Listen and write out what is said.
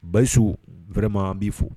Basiso wɛrɛma an b'i fo